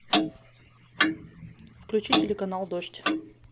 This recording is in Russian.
включи телеканал дождь